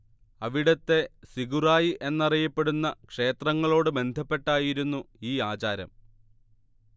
അവിടത്തെ സിഗുറായി എന്നറിയപ്പെടുന്ന ക്ഷേത്രങ്ങളോട് ബന്ധപ്പെട്ടായിരുന്നു ഈ ആചാരം